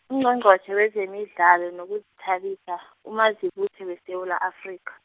Ungqongqotjhe wezemidlalo nokuzithabisa, uMazibuse weSewula Afrika.